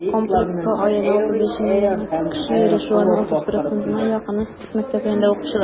Комплекска аена 33 меңнән артык кеше йөри, шуларның 30 %-на якыны - спорт мәктәпләрендә укучылар.